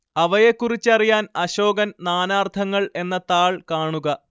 അവയെക്കുറിച്ചറിയാന്‍ അശോകന്‍ നാനാര്‍ത്ഥങ്ങള്‍ എന്ന താള്‍ കാണുക